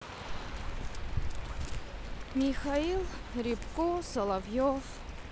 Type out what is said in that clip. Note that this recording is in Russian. михаил рябко соловьев